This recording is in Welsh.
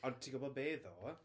Ond ti gwbod be ddo...